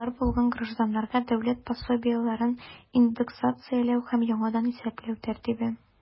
Балалары булган гражданнарга дәүләт пособиеләрен индексацияләү һәм яңадан исәпләү тәртибе.